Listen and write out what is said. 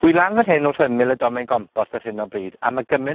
Wi lan fan hyn wrth ymyl y domen gompost ar hyn o bryd, am y gymen'